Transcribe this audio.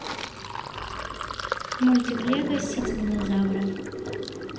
мультик лего сити динозавры